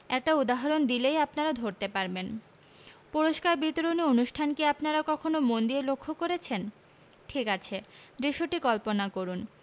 একটা উদাহরণ দিলেই আপনারা ধরতে পারবেন পুরস্কার বিতরণী অনুষ্ঠান কি আপনারা কখনো মন দিয়ে লক্ষ্য করেছেন ঠিক আছে দৃশ্যটি কল্পনা করুন